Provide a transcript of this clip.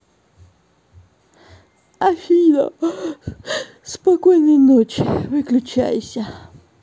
афина спокойной ночи выключайся